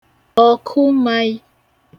ọ̀kụmai